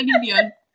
Yn union.